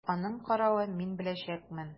Аның каравы, мин беләчәкмен!